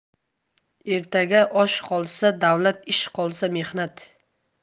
ertaga osh qolsa davlat ish qolsa mehnat